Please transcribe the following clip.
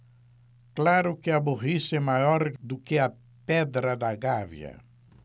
claro que a burrice é maior do que a pedra da gávea